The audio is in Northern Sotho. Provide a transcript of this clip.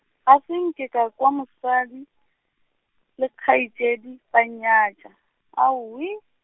ga se nke ka kwa mosadi, le kgaetšedi ba nyatša, aowii.